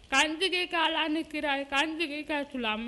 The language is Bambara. ' dege k ka la ni kira ye'an dege ka silamɛmɛ